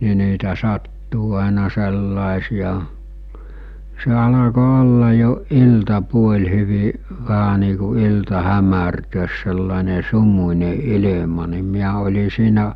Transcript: niin niitä sattuu aina sellaisia se alkoi olla jo iltapuoli hyvin vähän niin kuin ilta hämärtää sellainen sumuinen ilma niin minä olin siinä